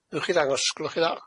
newch chi ddangos, gwelwch chi dda?